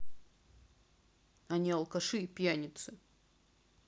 они алкаши и пьяницы